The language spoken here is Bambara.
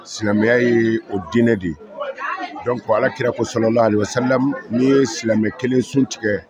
Silamɛya ye o diinɛ de ye dɔnku ko ala kirara ko sala sa n ye silamɛ kelen sun tigɛ